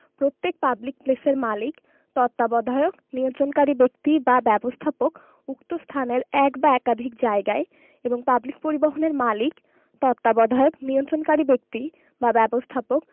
প্রত্যেক পাবলিক প্লেসের মালিক তত্ত্বাবধায়ক নিয়ন্ত্রণকারী ব্যক্তিবা ব্যবস্থাপক উক্ত স্থানের এক বা একাধিক জায়গায় এবং পাবলিক পরিবহণের মালিক তত্ত্বাবধায়ক নিয়ন্ত্রণকারী ব্যক্তি বা ব্যবস্থাপক